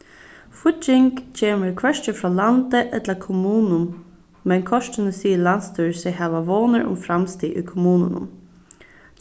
fígging kemur hvørki frá landi ella kommunum men kortini sigur landsstýrið seg hava vónir um framstig í kommununum